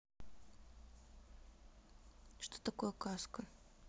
что такое каско